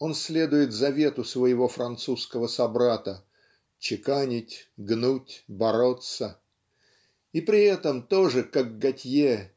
он следует завету своего французского собрата "чеканить гнуть бороться" и при этом тоже как Готье